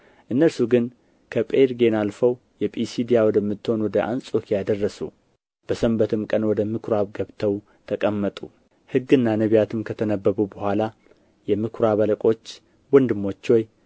እነርሱ ግን ከጴርጌን አልፈው የጲስድያ ወደምትሆን ወደ አንጾኪያ ደረሱ በሰንበትም ቀን ወደ ምኵራብ ገብተው ተቀመጡ ሕግና ነቢያትም ከተነበቡ በኋላ የምኵራቡ አለቆች ወንድሞች ሆይ